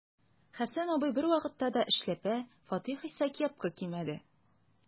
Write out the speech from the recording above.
Хәсән абзый бервакытта да эшләпә, Фатих исә кепка кимәде.